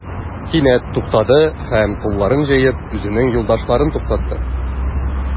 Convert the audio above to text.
Кинәт туктады һәм, кулларын җәеп, үзенең юлдашларын туктатты.